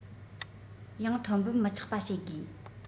ཡང ཐོན འབབ མི ཆག པ བྱེད དགོས